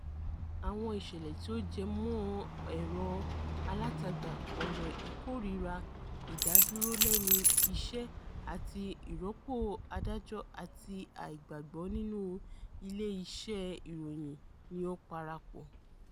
Àwọn ìṣẹ̀lẹ̀ tí ó jẹ́ mọ́n ẹ̀rọ-alátagbà, ọ̀rọ̀ ìkórìíra, ìdádúró lẹ́nu iṣẹ́ àti ìrọ́pò adájọ́, àti àìgbàgbọ́ nínú ilé iṣẹ́ ìròyìn ni ó parapọ̀.